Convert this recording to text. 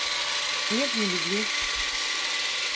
нет не люблю